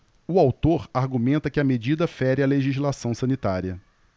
o autor argumenta que a medida fere a legislação sanitária